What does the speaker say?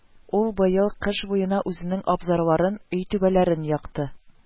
Ул быел кыш буенча үзенең абзарларын, өй түбәләрен якты